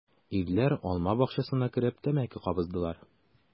Ирләр алма бакчасына кереп тәмәке кабыздылар.